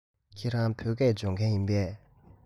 ཁྱེད རང བོད སྐད སྦྱོང མཁན ཡིན པས